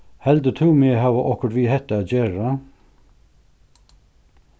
heldur tú meg hava okkurt við hetta at gera